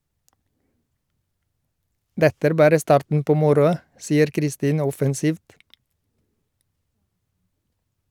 - Dette er bare starten på moroa, sier Kristine offensivt.